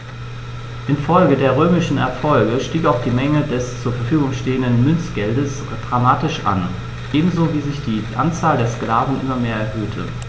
Infolge der römischen Erfolge stieg auch die Menge des zur Verfügung stehenden Münzgeldes dramatisch an, ebenso wie sich die Anzahl der Sklaven immer mehr erhöhte.